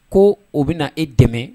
Ko o bɛ na e dɛmɛ